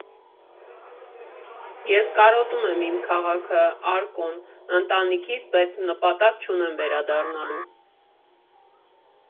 Ես կարոտում եմ իմ քաղաքը՝ Արկոն, ընտանիքիս, բայց նպատակ չունեմ վերադառնալու։